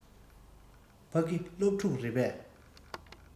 ཕ གི སློབ ཕྲུག རེད པས